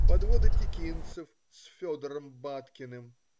Подвода текинцев с Федором Баткиным.